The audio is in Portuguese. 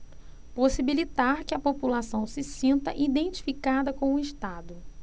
possibilitar que a população se sinta identificada com o estado